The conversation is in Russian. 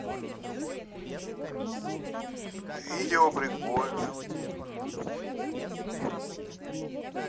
видео прикольное